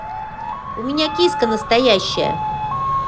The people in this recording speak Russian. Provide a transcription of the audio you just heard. у меня киска настоящая